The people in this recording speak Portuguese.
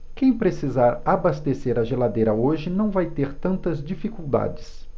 quem precisar abastecer a geladeira hoje não vai ter tantas dificuldades